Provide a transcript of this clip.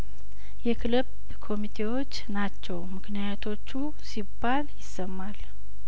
የክለብ ኮሚቴዎች ናቸው ምክንያቶቹ ሲባል ይሰማል